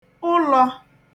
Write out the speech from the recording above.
ụlọ̄